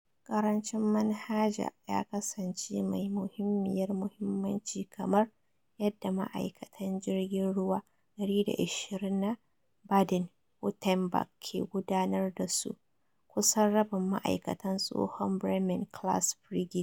Karancin Manhaja ya kasance mai muhimmiyar muhimmanci kamar yadda ma'aikatan jirgin ruwa 120 na Baden-Wuerttemberg ke gudanar da su. Kusan rabin ma'aikatan tsohon Bremen class frigates.